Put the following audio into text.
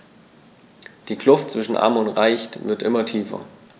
Die Kluft zwischen Arm und Reich wird immer tiefer.